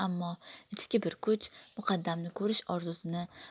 ammo ichki bir kuch muqaddamni ko'rish orzusimi